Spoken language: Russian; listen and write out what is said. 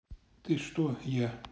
ты что я